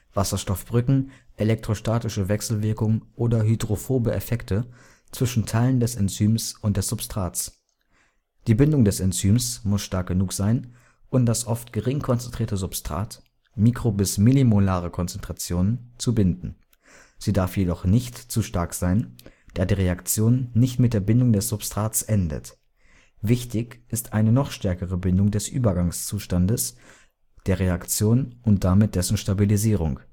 Wasserstoffbrücken, elektrostatische Wechselwirkung oder hydrophobe Effekte) zwischen Teilen des Enzyms und des Substrats. Die Bindung des Enzyms muss stark genug sein, um das oft gering konzentrierte Substrat (mikro - bis millimolare Konzentrationen) zu binden, sie darf jedoch nicht zu stark sein, da die Reaktion nicht mit der Bindung des Substrates endet. Wichtig ist eine noch stärkere Bindung des Übergangszustandes der Reaktion und damit dessen Stabilisierung